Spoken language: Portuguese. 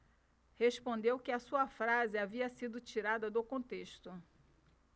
respondeu que a sua frase havia sido tirada do contexto